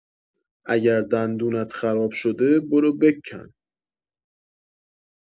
اگر دندونت خراب شده برو بکن